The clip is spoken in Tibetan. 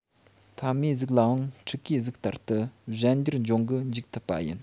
ཕ མའི གཟུགས ལའང ཕྲུ གུའི གཟུགས ལྟར ཏུ གཞན འགྱུར འབྱུང གི འཇུག ཐུབ པ ཡིན